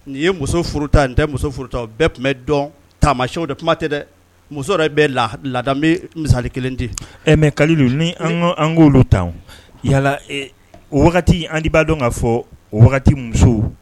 Nin ye muso furu nin tɛ muso furu o bɛɛ tun bɛ dɔn taama sɛ o de kuma tɛ dɛ muso bɛ la labe musali kelen de mɛ ka ni an'olu tan yala o wagati bbaa dɔn ka fɔ o wagati musow